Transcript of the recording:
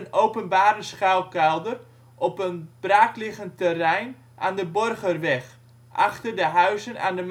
openbare schuilkelder op een braakliggend terrein aan de Borgerweg, achter de huizen aan